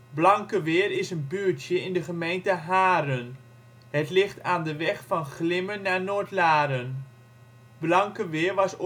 Blankeweer is een buurtje in de gemeente Haren. Het ligt aan de weg van Glimmen naar Noordlaren. Blankeweer was